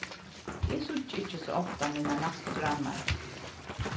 eg síggi ikki so ofta mínar næstu grannar